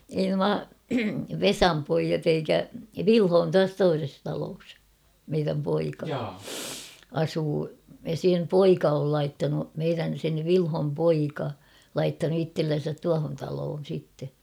ei nuo Vesan pojat eikä Vilho on tuossa toisessa talossa meidän poika asuu ja sen poika on laittanut meidän sen Vilhon poika laittanut itsellensä tuohon talon sitten